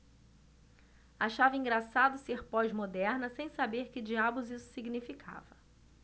achava engraçado ser pós-moderna sem saber que diabos isso significava